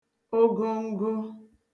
ogongo